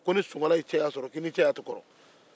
ko ni sonkala y'i cɛya sɔrɔ k'i n'i cɛya tɛ kɔrɔ